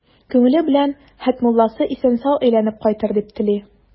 Күңеле белән Хәтмулласы исән-сау әйләнеп кайтыр дип тели.